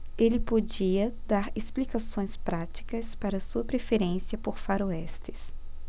ele podia dar explicações práticas para sua preferência por faroestes